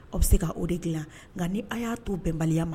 Aw bi se ka o de gilan. Nga ni aw ya to bɛnbaliya ma